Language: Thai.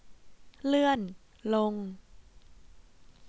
เลื่อนลง